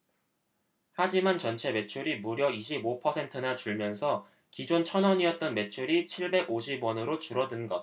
하지만 전체 매출이 무려 이십 오 퍼센트나 줄면서 기존 천 원이었던 매출이 칠백 오십 원으로 줄어든 것